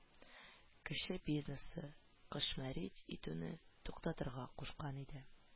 Кече бизнесны “кошмарить итүне” туктатырга кушкан иде